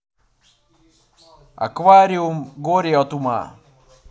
аквариум горе от ума